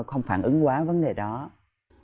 không phản ứng quá vấn đề đó